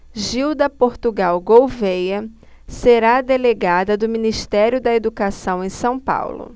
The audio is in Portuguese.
gilda portugal gouvêa será delegada do ministério da educação em são paulo